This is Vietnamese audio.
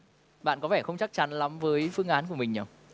bạn có vẻ không chắc chắn lắm với phương án của mình nhở